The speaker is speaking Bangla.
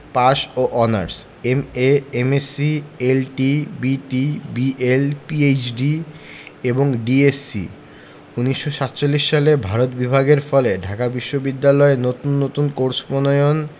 পাস ও honours MA MSc LT BT BL PhD এবং ডিএস.সি ১৯৪৭ সালে ভারত বিভাগের ফলে ঢাকা বিশ্ববিদ্যালয়ে নতুন নতুন কোর্স প্রণয়ন